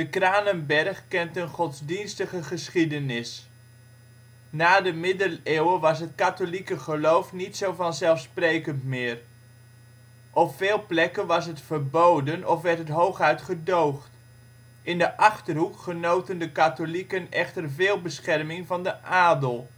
Kranenberg kent een godsdienstige geschiedenis. Na de Middeleeuwen was het katholieke geloof niet zo vanzelfsprekend meer. Op veel plekken was het verboden of werd het hooguit gedoogd. In de Achterhoek genoten de katholieken echter veel bescherming van de adel